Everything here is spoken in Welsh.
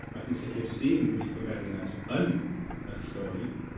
ac yn sicir sydd yn brif gymeriad yn y stori.